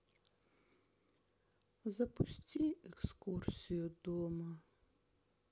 запусти экскурсию дома